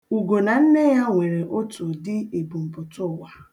Ugo na nne ya nwere otu ụdị ebumpụtụụwa.